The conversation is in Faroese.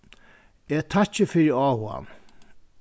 eg takki fyri áhugan